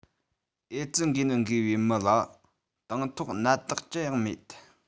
ཨེ ཙི འགོས ནད འགོས པའི མི ལ དང ཐོག ནད རྟགས ཅི ཡང མེད